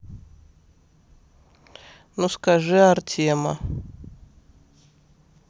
ну скажи артема